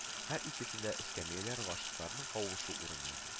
Һәр икесендә эскәмияләр гашыйкларның кавышу урыны иде